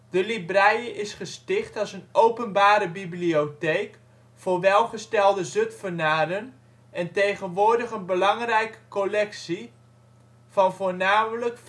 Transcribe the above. De Librije is gesticht als een ' openbare ' bibliotheek voor welgestelde Zutphenaren, en tegenwoordig een belangrijke collectie van voornamelijk